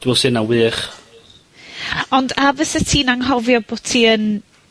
... dwi me'wl 'se ynna wych. Ond a fysa ti'n anghofio bo' ti yn